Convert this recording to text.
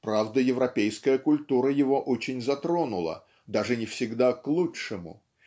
Правда, европейская культура его очень затронула, даже не всегда к лучшему